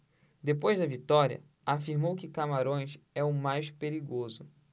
depois da vitória afirmou que camarões é o mais perigoso